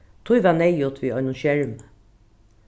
tí var neyðugt við einum skermi